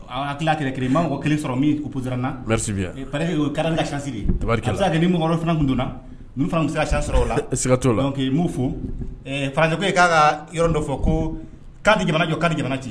Ɔɔ hakilila kɛra kelen n ma mɔgɔ kelen sɔrɔ min opposera n na merci bien, il paraît que o kɛra ne ka chance de ye, tibaru kala, a bɛ se ka kɛ ni mɔgɔ wɛrɛw fana tun donna, olu fana tun bɛ se ka chance sɔrɔ o la, sigat’o la, donc n b’u fo, ɛɛ français koyi an ka ka dɔ fɔ a la, kan bɛ jamana ci, kan bɛ jamana jɔ.